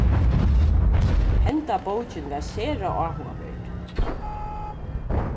hendan bókin var sera áhugaverd